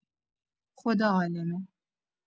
خدا عالمه